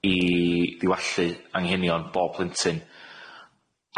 i diwallu anghenion bob plentyn.